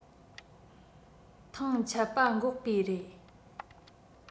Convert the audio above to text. ཐང ཆད པ འགོག པའི རེད